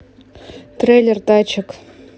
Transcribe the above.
трейлер тачек